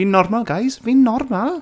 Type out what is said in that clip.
Fi'n normal, guys. Fi'n normal.